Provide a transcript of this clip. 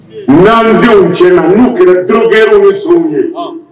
Denw cɛ n'u kɛra dukɛw ni s ye